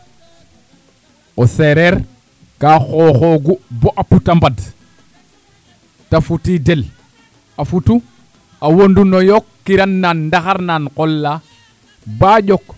o seereer ka xooxoogu bo a put a mbad ta futiidel a futu a wondu no yook kiran na ndaxar na qol laa baa ƴook